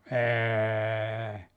ei